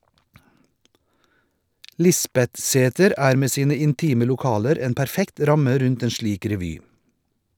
Lisbetsæter er med sine intime lokaler en perfekt ramme rundt en slik revy.